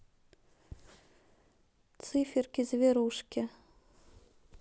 циферки зверушки